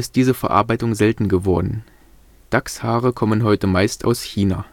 diese Verarbeitung selten geworden. Dachshaare kommen heute meist aus China